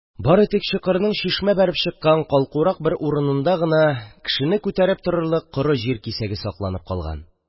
Бары тик чокырның чишмә бәреп чыккан калкурак бер урынында гына кешене күтәреп торырлык коры җир кисәге сакланып калган.